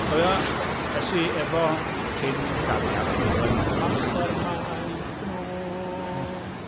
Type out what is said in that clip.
Cofio, es i efo cyn-gariad blynyddoedd ma... Amser maith yn ôl.